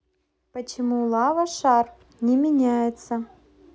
почему лава шар не меняется